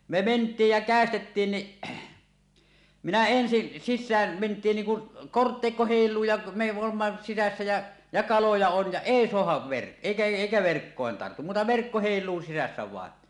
me mentiin ja käestettiin niin minä ensin sisään mentiin niin kun kortteikko heiluu ja me olemme sisässä ja ja kaloja on ja ei saada - eikä eikä verkkoon tartu muuta verkko heiluu sisässä vain